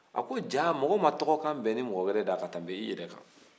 a ko jaa mɔgɔ matɔgɔkan bɛnnen mɔgɔ wɛrɛ da ka tɛm'i yɛrɛ kan